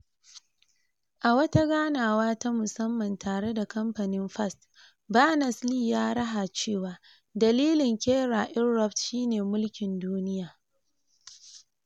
A wata ganawa ta musamman tare da kamfanin Fast, Berners-Lee ya raha cewa, dalilin kera Inrupt shi ne "mulkin duniya."